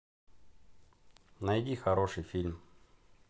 найди хороший фильм